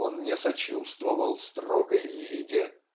он не сочувствовал строгой Лиде